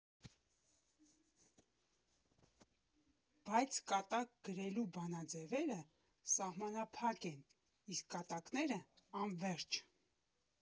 Բայց կատակ գրելու բանաձևերը սահմանափակ են, իսկ կատակները՝ անվերջ։